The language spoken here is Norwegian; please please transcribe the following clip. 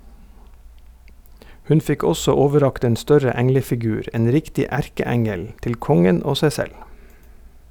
Hun fikk også overrakt en større englefigur, en riktig erkeengel, til kongen og seg selv.